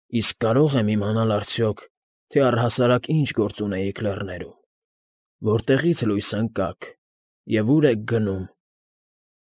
Իսկ կարո՞ղ եմ իմանալ արդյոք, թե առհասարակ ինչ գործ ունեիք լեռներում, որտեղի՞ց լույս ընկաք և ու՞ր եք գնում։